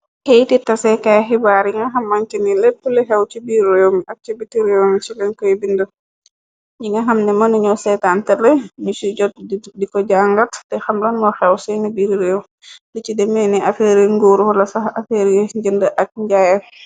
Keytitaseekaay xibaar yi nga xamañca ni lépp lixew ci biir réew mi. Ak ci biti réew mi ci len koy bind. Yi nga xamne mënuñu seytan terle mi su jot di ko jangat te xamlan mu xew seen biir réew. Li ci demee ni aferi nguuru wala sax aferye njënd ak njaayer.